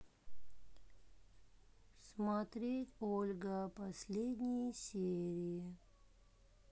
смотреть ольга последние серии